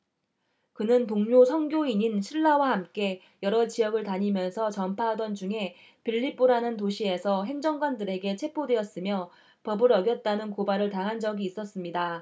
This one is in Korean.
그는 동료 선교인인 실라와 함께 여러 지역을 다니면서 전파하던 중에 빌립보라는 도시에서 행정관들에게 체포되었으며 법을 어겼다는 고발을 당한 적이 있었습니다